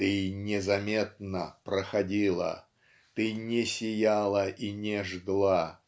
Ты незаметно проходила, Ты не сияла и не жгла